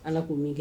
Ala k'o min kɛ